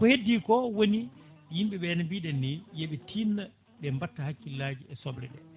ko heddi ko woni yimɓeɓe ne mbiɗenni yooɓe tinno ɓe mbatta hakkillaji e soble ɗe